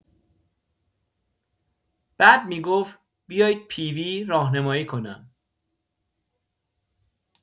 بعد می‌گفت بیاید پی‌وی راهنمایی کنم.